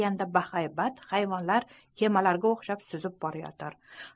okeanda bahaybat hayvonlar kemalarga o'xshab suzib ketayotir